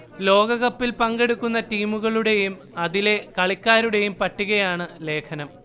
ലോകകപ്പിൽ പങ്കെടുക്കുന്ന ടീമുകളുടെയും അതിലെ കളിക്കാരുടെയും പട്ടികയാണ് ലേഖനം